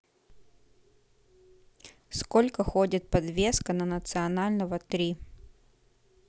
сколько ходит подвеска на национального три